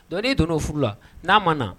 Donc n'i donna o furu la, n'a ma na